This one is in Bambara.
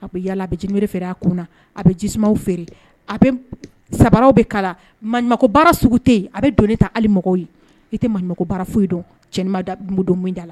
A bi yala a bi jiniberew feere a kun na. A bɛ ji sumaw feere a bɛ sabaw bɛ kala maɲuman ko baara sugu te yen . A bi donni ta hali mɔgɔw ye i tɛ maɲuman ko bara foyi dɔn da donda la